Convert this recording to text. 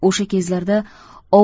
o'sha kezlarda